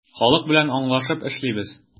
Халык белән аңлашып эшлибез.